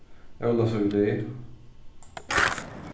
ólavsøkudegi